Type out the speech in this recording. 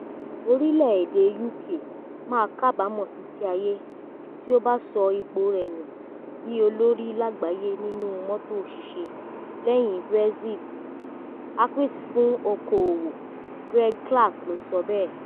Orílẹ̀ èdè UK "má kábámọ̀ títí ayé" tí ó bá sọ ipò rẹ̀ nù bíi olórí lágbàáyé nínú mọ́tò ṣiṣẹ́ lẹ́yìn Brexit, àkswé fún okòòwò Greg Clark ló sọ bẹ́ẹ.